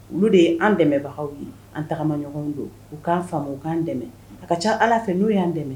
Olu de ye an dɛmɛbagaw ye an tagamaɲɔgɔnw don u k'an faamu u k'an dɛmɛ a ka ca ala fɛ n'o y'an dɛmɛ